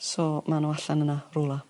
So ma' n'w allan yna rhwla.